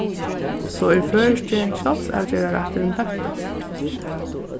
og so er føroyski sjálvsavgerðarrætturin hóttur